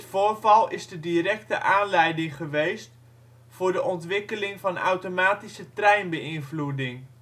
voorval is de directe aanleiding geweest voor de ontwikkeling van automatische treinbeïnvloeding